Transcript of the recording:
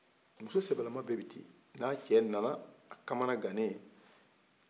muso sɛbɛlaman bɛɛ bi ten n'a cɛ nana a kamana ganen